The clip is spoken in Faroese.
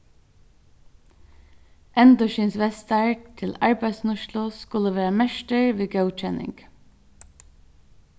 endurskinsvestar til arbeiðsnýtslu skulu verða merktir við góðkenning